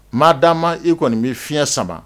Maa d dia ma i kɔni bɛ fiɲɛ san